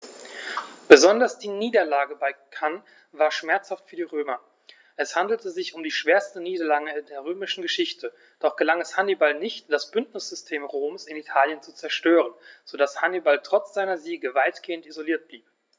Besonders die Niederlage bei Cannae war schmerzhaft für die Römer: Es handelte sich um die schwerste Niederlage in der römischen Geschichte, doch gelang es Hannibal nicht, das Bündnissystem Roms in Italien zu zerstören, sodass Hannibal trotz seiner Siege weitgehend isoliert blieb.